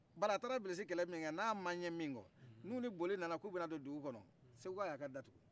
bar'a taara bilisi kɛlɛ ninkɛ n'ama ɲɛ min kɔ n'u ni boli nana k'u bɛ na don dugukɔnɔ seguka y'aka da tugu